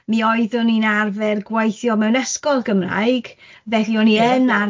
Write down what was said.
Mi oeddwn i'n arfer gweithio mewn ysgol Gymraeg, felly o'n i yn arfer